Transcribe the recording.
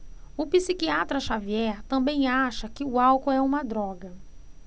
o psiquiatra dartiu xavier também acha que o álcool é uma droga